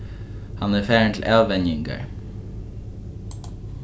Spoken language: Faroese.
hann er farin til avvenjingar